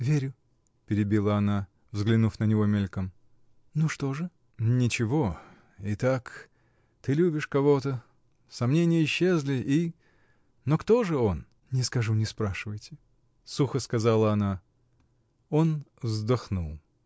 — Верю, — перебила она, взглянув на него мельком, — ну, что же? — Ничего. Итак. ты любишь кого-то! Сомнения исчезли и. Но кто же он? — Не скажу, не спрашивайте! — сухо сказала она. Он вздохнул.